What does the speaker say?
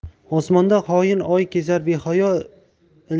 osmonda xoin oy kezar